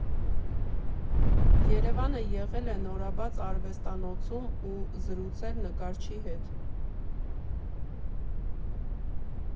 ԵՐԵՎԱՆը եղել է նորաբաց արվեստանոցում ու զրուցել նկարչի հետ։